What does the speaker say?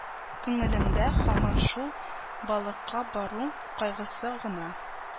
Күңелемдә һаман шул балыкка бару кайгысы гына